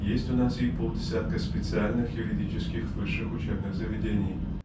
есть у нас и полдесятка специальных юридических высших учебных заведений.